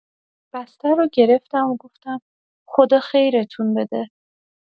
بسته رو گرفتم و گفتم: «خدا خیرتون بده.»